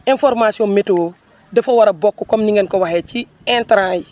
information météo dafa war a bokk comme ni ngeen ko, waxee ci intrant yi